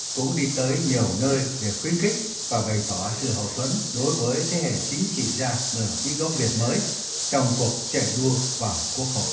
cũng đi tới nhiều nơi để khuyến khích và bày tỏ sự hậu thuẫn đối với thế hệ chính trị gia người mỹ gốc việt mới trong cuộc chạy đua vào quốc hội